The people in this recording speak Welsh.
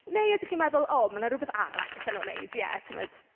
Neu ydach chi'n meddwl "O, ma' 'na rhywbeth arall gallen nhw wneud. Ie, timod."